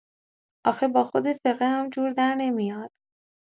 آخه با خود فقه هم جور در نمیاد!